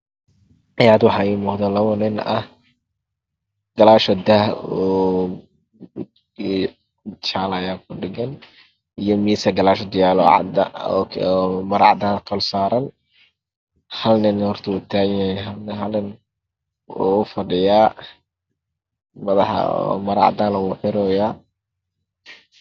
Halkaan waxaa iiga muuqdo labo nin gadaashooda daah ayaa kuxiran jaale ah iyo miis maro cad kufidsan tahay. Hal nin wuu taagan yahay halna wuu fadhiyaa maro ayaa madaxa looga duuba.